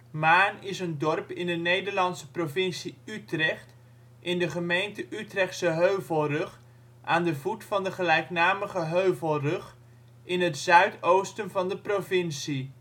Maarn is een dorp in de Nederlandse provincie Utrecht, gemeente Utrechtse Heuvelrug, aan de voet van de gelijknamige Heuvelrug in het zuidoosten van de provincie